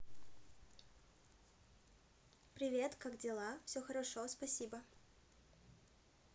привет как дела все хорошо спасибо